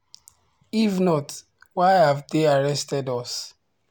If not, why have they arrested us?